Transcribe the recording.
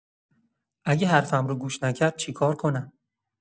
اگه حرفم رو گوش نکرد چی کار کنم؟